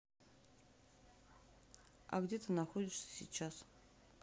а ты где находишься сейчас